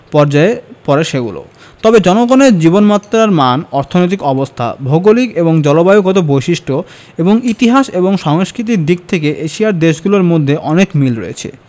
পর্যায়ে পড়ে সেগুলো তবে জনগণের জীবনমাত্রার মান অর্থনৈতিক অবস্থা ভৌগলিক ও জলবায়ুগত বৈশিষ্ট্য এবং ইতিহাস ও সংস্কৃতির দিক থেকে এশিয়ার দেশগুলোর মধ্যে অনেক মিল রয়েছে